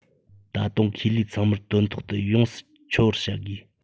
ད དུང ཁེ ལས ཚང མར དོན ཐོག ཏུ ཡོངས སུ འཁྱོལ བར བྱ དགོས